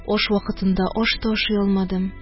Аш вакытында аш та ашый алмадым.